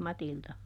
Matilda